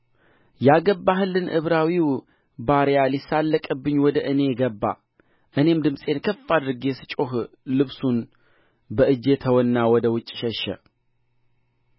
ጌታውም ባሪያህ እንዲህ አደረገኝ ብላ የነገረችውን የሚስቱን ቃል በሰማ ጊዜ እጅግ ተቆጣ